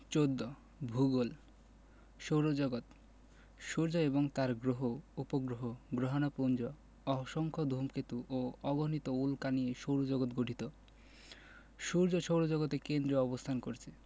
১৪ ভূগোল সৌরজগৎ সূর্য এবং তার গ্রহ উপগ্রহ গ্রহাণুপুঞ্জ অসংখ্য ধুমকেতু ও অগণিত উল্কা নিয়ে সৌরজগৎ গঠিত সূর্য সৌরজগতের কেন্দ্রে অবস্থান করছে